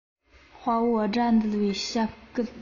དཔའ བོ དགྲ འདུལ བའི ཞབས བསྐུལ